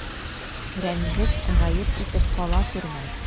Рәнҗеп, гаеп итеп кала күрмә.